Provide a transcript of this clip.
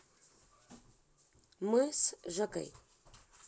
мы с жеком